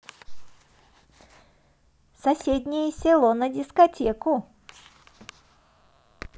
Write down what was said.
соседнее село на дискотеку